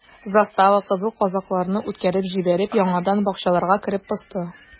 Застава, кызыл казакларны үткәреп җибәреп, яңадан бакчаларга кереп посты.